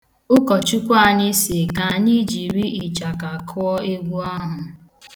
Ụkọchukwu anyị si ka anyị jiri ịchaka kụọ egwu ahụ.